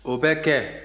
o bɛ kɛ